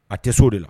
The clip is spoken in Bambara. A tɛ so de la